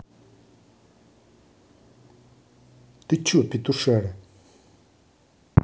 ты че петушара